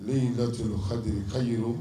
Ne y' ka hadi ka yi